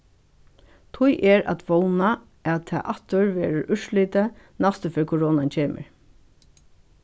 tí er at vóna at tað aftur verður úrslitið næstu ferð koronan kemur